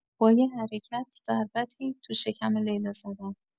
با یه حرکت ضربت ی تو شکم لیلا زدم.